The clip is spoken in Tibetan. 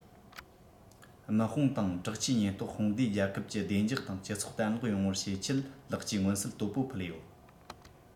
དམག དཔུང དང དྲག ཆས ཉེན རྟོག དཔུང སྡེས རྒྱལ ཁབ ཀྱི བདེ འཇགས དང སྤྱི ཚོགས བརྟན ལྷིང ཡོང བར བྱེད ཆེད ལེགས སྐྱེས མངོན གསལ དོད པོ ཕུལ ཡོད